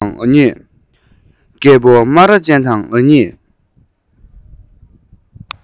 རྒད པོ སྨ ར ཅན དང ང གཉིས